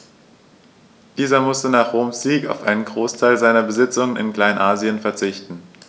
Dieser musste nach Roms Sieg auf einen Großteil seiner Besitzungen in Kleinasien verzichten.